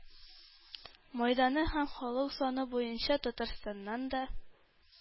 Мәйданы һәм халык саны буенча Татарстаннан да